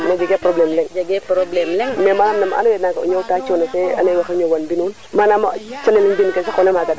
merci beaucoup Ndiounga Faye cherie Waly Faye ten soɓu meeke i coox ka o tewo xe te simnir fo o fogole avant te suura tewo paax sim naaxong